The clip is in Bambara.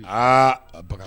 Aa bakarijan